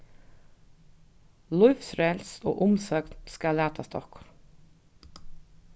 lívsrensl og umsókn skal latast okkum